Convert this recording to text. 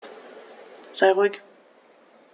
Sei ruhig.